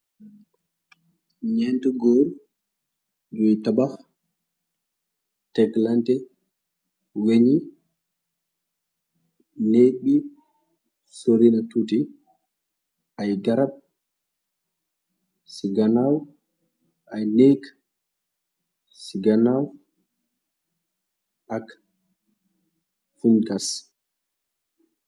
Ñent góor yiy tabah teglantè weñi. Nèeg bi sorina tuuti. Ay garab ci ganaaw ay néeg ci ganaaw ak fun gas